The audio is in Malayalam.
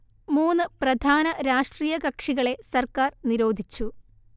മൂന്നു പ്രധാന രാഷ്ട്രീയ കക്ഷികളെ സർക്കാർ നിരോധിച്ചു